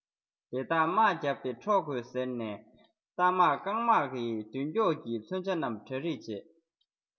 དེ དག དམག བརྒྱབ སྟེ འཕྲོག དགོས ཟེར ནས རྟ དམག རྐང དམག གྱི མདུན སྒྱོགས ཀྱི མཚོན ཆ རྣམས གྲ སྒྲིག བྱས